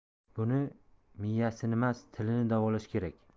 buni miyasinimas tilini davolash kerak